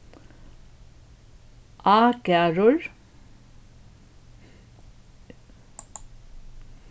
ágarður